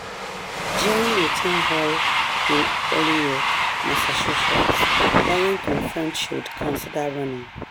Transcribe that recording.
During a town hall in Holyoke, Massachusetts, Warren confirmed she'd consider running.